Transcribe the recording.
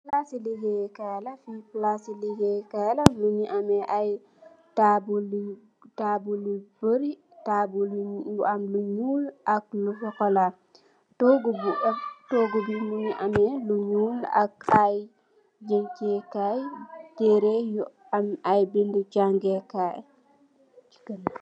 Palasci ligaye kaye la mougui ammeh aye tabol you barri you ammeh color you nyull ak lou sokolar togou bi mougui ammeh lou nyull ammeh aye likke kaye yerre you am aye bendou jange kaiy